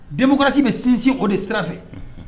Denkurasi bɛ sinsin o de sira fɛ